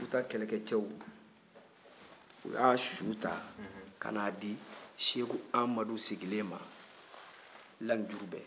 futa kɛlɛkɛcɛw u y'a su ta ka na a di seku amadu sigilen ma lamijurubɛ